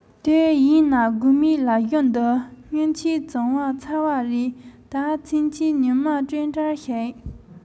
དེ ཡིན ན དགོས མེད ལབ གཞི འདི སྔོན ཆད བྱུང བ ཚར བ རེད ད ཕྱིན ཆད ཉི མ སྤྲིན བྲལ ཞིག